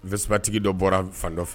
Vsabatigi dɔ bɔra fan dɔ fɛ